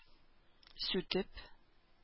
Сүтеп